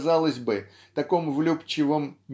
казалось бы таком влюбчивом